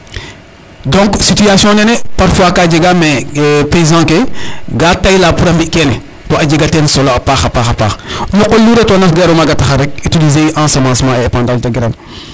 Donc situation nene par fois ka jega mais paysan ke ga tayla pour a mbi' kene to a jega teen solo a paax a paax a paax no qol lu retoona ga'iro maaga taxar rek utiliser i en semancement et épandage de graine.